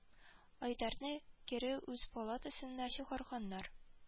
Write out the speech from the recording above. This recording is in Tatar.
Айдарны кире үз палатасына чыгарганнар